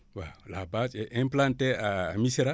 waaw la base est implantée à Missirah